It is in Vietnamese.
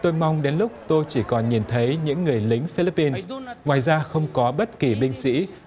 tôi mong đến lúc tôi chỉ còn nhìn thấy những người lính phi líp pin ngoài ra không có bất kỳ binh sĩ